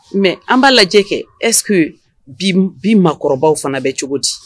Mɛ an b'a lajɛ kɛ esseke bi mɔgɔkɔrɔba fana bɛ cogo di